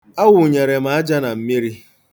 Awụnyere m aja na mmiri.